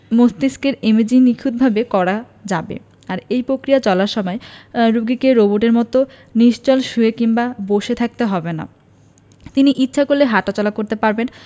মস্তিষ্কের ইমেজিং নিখুঁতভাবে করা যাবে আর এই প্রক্রিয়া চলার সময় রোগীকে রোবটের মতো নিশ্চল শুয়ে কিংবা বসে থাকতে হবে না তিনি ইচ্ছা করলে হাটাচলা করতে পারবেন